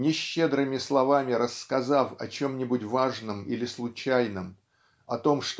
Нещедрыми словами рассказав о чем-нибудь важном или случайном о том